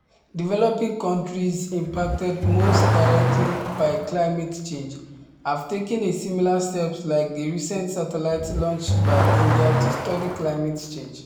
Developing countries impacted most directly by climate change, have taken a similar steps like the recent satellites launch by India to study climate change.